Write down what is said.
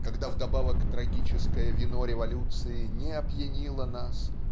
когда вдобавок трагическое вино революции не опьянило нас